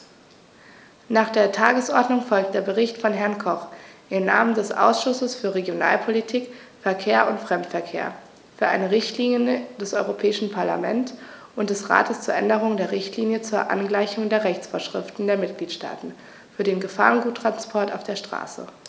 Nach der Tagesordnung folgt der Bericht von Herrn Koch im Namen des Ausschusses für Regionalpolitik, Verkehr und Fremdenverkehr für eine Richtlinie des Europäischen Parlament und des Rates zur Änderung der Richtlinie zur Angleichung der Rechtsvorschriften der Mitgliedstaaten für den Gefahrguttransport auf der Straße.